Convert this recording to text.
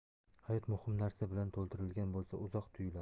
hayot muhim narsa bilan to'ldirilgan bo'lsa uzoq tuyuladi